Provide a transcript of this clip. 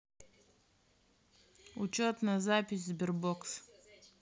учетная запись sberbox